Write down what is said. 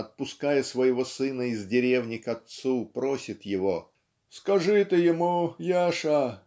отпуская своего сына из деревни к отцу просит его "Скажи ты ему, Яша.